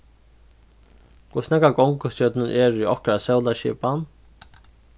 hvussu nógvar gongustjørnur eru í okkara sólarskipan